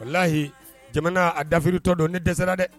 Walahi, jamana a dafiritɔ don ne dɛsɛsera dɛ